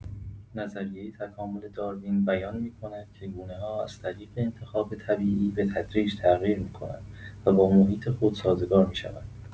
نظریه تکامل داروین بیان می‌کند که گونه‌ها از طریق انتخاب طبیعی به‌تدریج تغییر می‌کنند و با محیط خود سازگار می‌شوند.